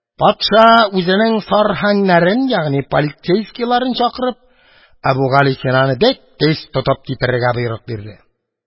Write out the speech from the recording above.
Патша, үзенең сәрһаңнәрен чакырып, Әбүгалисинаны бик тиз тотып китерергә боерык бирде.